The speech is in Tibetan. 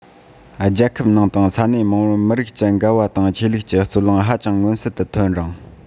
རྒྱལ ཁབ དང ས གནས མང པོར མི རིགས ཀྱི འགལ བ དང ཆོས ལུགས ཀྱི རྩོད གླེང ཧ ཅང མངོན གསལ དུ ཐོན རུང